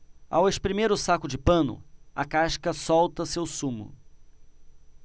ao espremer o saco de pano a casca solta seu sumo